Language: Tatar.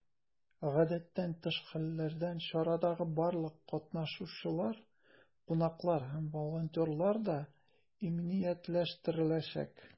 Гадәттән тыш хәлләрдән чарадагы барлык катнашучылар, кунаклар һәм волонтерлар да иминиятләштереләчәк.